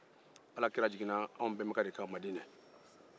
alakira jiginna anw benbakɛ de kan madina